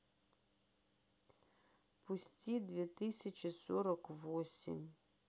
пусти две тысячи сорок восемь